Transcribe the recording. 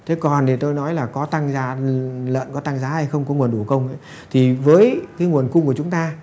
thế còn để tôi nói là có tăng giá lợn có tăng giá hay không có nguồn đủ không thì với cái nguồn cung của chúng ta